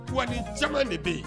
Tuwa ni caman de bɛ yen